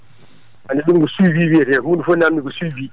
anndi ɗum ko suivi wiyatee huunde fof naamndii ko suivi